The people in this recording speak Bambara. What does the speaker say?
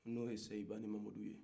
n'o ye sayiban mamadu ye